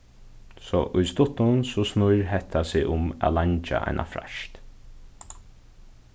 so í stuttum so snýr hetta seg um at leingja eina freist